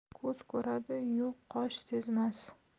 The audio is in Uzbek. ko'z ko'radi yu qosh sezmas